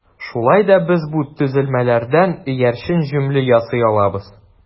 Шулай да без бу төзелмәләрдән иярчен җөмлә ясый алабыз.